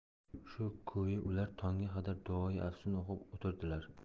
shu ko'yi ular tongga qadar duoyi afsun o'qib o'tirdilar